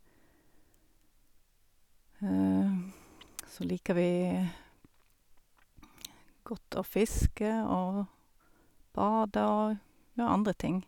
Så liker vi godt å fiske og bade og gjøre andre ting.